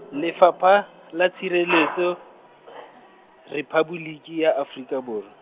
Lefapha la Tshireletso, Rephaboliki ya Afrika Borwa.